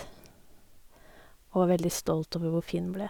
Og var veldig stolt over hvor fin den ble.